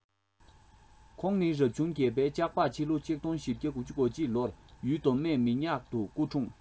ཁོང ནི རབ བྱུང བརྒྱད པའི ལྕགས ཕག ཕྱི ལོ ༡༤༩༡ ལོར ཡུལ མདོ སྨད མི ཉག ཏུ སྐུ འཁྲུངས